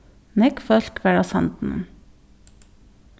nógv fólk var á sandinum